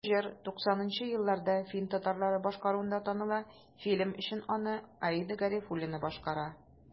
Бу җыр 90 нчы елларда фин татарлары башкаруында таныла, фильм өчен аны Аида Гарифуллина башкара.